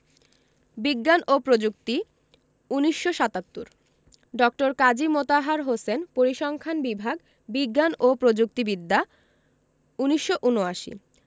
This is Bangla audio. বিজ্ঞান ও প্রযুক্তি ১৯৭৭ ড. কাজী মোতাহার হোসেন পরিসংখ্যান বিভাগ বিজ্ঞান ও প্রযুক্তি বিদ্যা ১৯৭৯